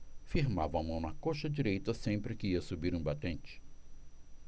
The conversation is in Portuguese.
firmava a mão na coxa direita sempre que ia subir um batente